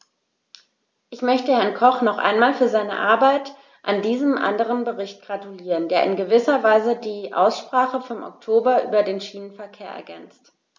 Ich möchte Herrn Koch noch einmal für seine Arbeit an diesem anderen Bericht gratulieren, der in gewisser Weise die Aussprache vom Oktober über den Schienenverkehr ergänzt.